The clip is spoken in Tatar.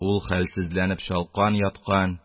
Ул хәлсезләнеп, чалкан яткан